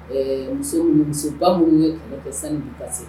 Ɛɛ muso musoba minnu ye kɛ sanu kasi